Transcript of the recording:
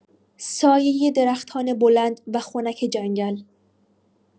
سایۀ درختان بلند و خنک جنگل